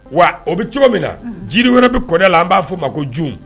Wa o bɛ cogo min na jiri wɛrɛ bɛ kɔnɛ la an b'a fɔo ma ko j